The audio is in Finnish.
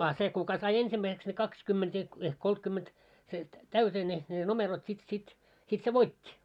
a se kuka sai ensimmäiseksi ne kaksikymmentä ehkä ehkä kolmekymmentä se täyteen ne ne numerot sitten sitten sitten se voitti